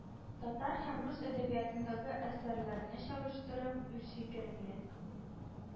Татар һəм рус əдəбиятындагы əсəрлəрне чагыштырып, үз фикереңне